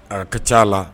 A ka ca a la